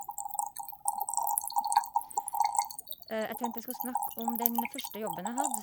Jeg tenkte jeg skulle snakke om den første jobben jeg hadde.